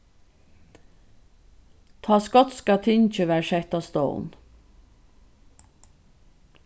tá skotska tingið varð sett á stovn